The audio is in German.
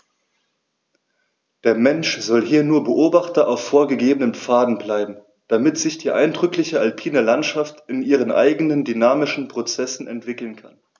Der Mensch soll hier nur Beobachter auf vorgegebenen Pfaden bleiben, damit sich die eindrückliche alpine Landschaft in ihren eigenen dynamischen Prozessen entwickeln kann.